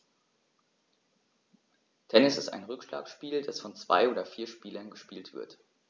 Tennis ist ein Rückschlagspiel, das von zwei oder vier Spielern gespielt wird.